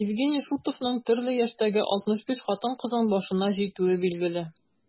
Евгений Шутовның төрле яшьтәге 65 хатын-кызның башына җитүе билгеле.